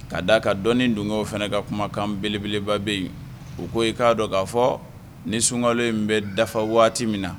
Ka d da a ka dɔn don fana ka kumakan belebeleba bɛ yen u ko i k'a dɔn k'a fɔ ni sunkalo in bɛ dafa waati min na